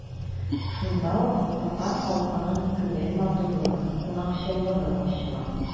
Шунда ук татар халкының күңел матурлыгы, кунакчыллыгы ачыла.